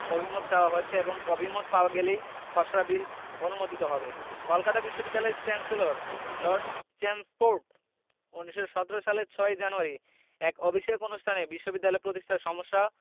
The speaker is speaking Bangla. অভিমত চাওয়া হয়েছে এবং অভিমত পাওয়া গেলেই খসড়া বিল অনুমোদিত হবে কলকাতা বিশ্ববিদ্যালয়ের চ্যান্সেলর লর্ড চেমস্ফোর্ড ১৯১৭ সালের ৬ জানুয়ারি এক অভিষেক অনুষ্ঠানে বিশ্ববিদ্যালয় প্রতিষ্ঠার সমস্যা